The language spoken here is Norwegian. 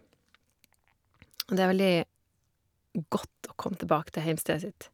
Og det er veldig godt å komme tilbake til heimstedet sitt.